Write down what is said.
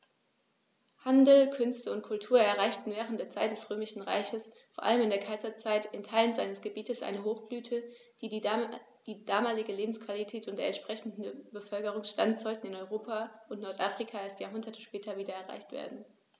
Handel, Künste und Kultur erreichten während der Zeit des Römischen Reiches, vor allem in der Kaiserzeit, in Teilen seines Gebietes eine Hochblüte, die damalige Lebensqualität und der entsprechende Bevölkerungsstand sollten in Europa und Nordafrika erst Jahrhunderte später wieder erreicht werden.